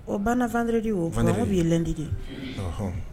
Ɔ banfandredi o ban bɛ ye lɛndi de